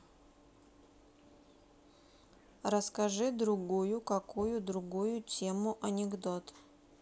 расскажи другую какую другую тему анекдот